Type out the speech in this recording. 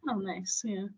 O neis ie.